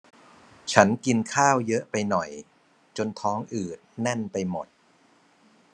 ฉันกินข้าวเยอะไปหน่อยจนท้องอืดแน่นไปหมด